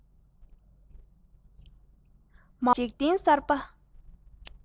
མ འོངས འཇིག རྟེན གསར བ